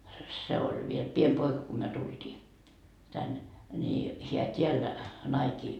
se oli vielä pieni poika kun me tultiin tänne niin hän täällä naikin